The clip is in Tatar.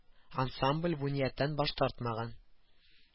Ансамбль бу нияттән баш тартмаган